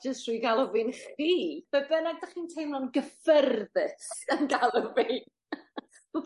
jys trwy galw fi'n chi. Beth bynnag 'dych chi'n teimlo'n gyffyrddus yn galw fi!